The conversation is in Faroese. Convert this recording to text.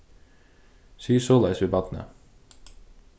sig soleiðis við barnið